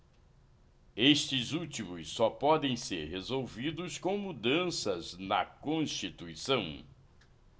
estes últimos só podem ser resolvidos com mudanças na constituição